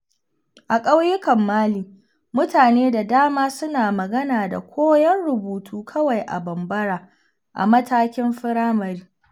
A ƙauyukan Mali, mutane da dama suna magana da koyon rubutu kawai a Bambara a matakin firamare.